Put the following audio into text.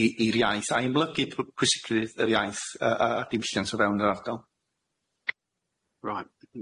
i i'r iaith a'i ymlygu pw- pwysigrwydd yr iaith yy yy ar diwilliant o fewn yr ardal.